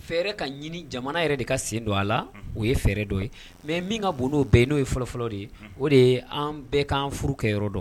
Fɛɛrɛ ka ɲini jamana yɛrɛ de ka sen don a la o ye fɛɛrɛ dɔ ye mɛ min ka bolo bɛn n'o ye fɔlɔfɔlɔ de ye o de ye an bɛɛ kaan furu kɛ yɔrɔ dɔn